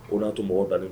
Oa mɔgɔ dalen